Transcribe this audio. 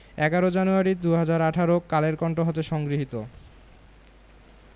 ১১ January ২০১৮ Kaler Kantho হতে সংগৃহীত